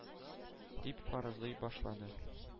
Дип фаразлый башлады.